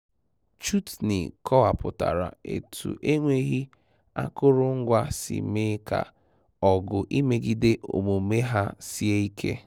Chutni kọwapụtara etu enweghị akụrụngwa si mee ka ọgụ imegide omume ha sie ike.